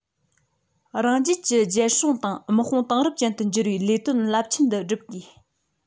རང རྒྱལ གྱི རྒྱལ སྲུང དང དམག དཔུང དེང རབས ཅན དུ འགྱུར བའི ལས དོན རླབས ཆེན འདི བསྒྲུབ དགོས